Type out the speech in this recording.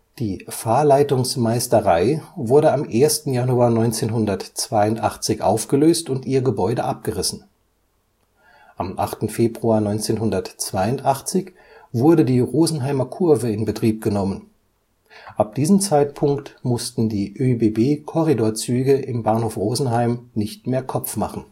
Die Fahrleitungsmeisterei wurde am 1. Januar 1982 aufgelöst und ihr Gebäude abgerissen. Am 8. Februar 1982 wurde die Rosenheimer Kurve in Betrieb genommen, ab diesem Zeitpunkt mussten die ÖBB-Korridor-Züge im Bahnhof Rosenheim nicht mehr Kopf machen